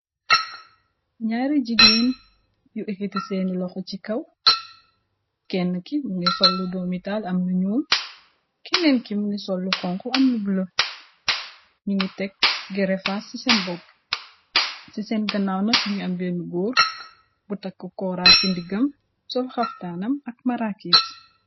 Ñaari jigéen yu ekiti seeni loxo ci kaw kenn ki mungi so lu doomitaal am lu nyul. Kenneen ki mingi sol lu xonxu amlu bulo ñu ngi tekk gerefaas ci seen bopp. Ci sen ganaaw nak mungi ambeenu góor bu takk kooraa ci ndiggam. Sol xaftanam ak maraakis.